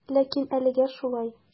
Ләкин әлегә шулай.